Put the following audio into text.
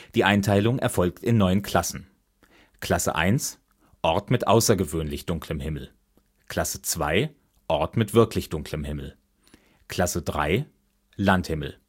Die Einteilung erfolgt in neun Klassen: Klasse 1: Ort mit außergewöhnlich dunklem Himmel Klasse 2: Ort mit wirklich dunklem Himmel Klasse 3: Landhimmel